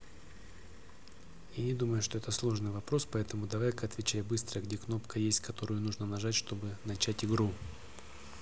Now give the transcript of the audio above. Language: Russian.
я не думаю что это сложный вопрос поэтому давай ка отвечай быстро где кнопка есть которую нужно нажать для того чтобы начать игру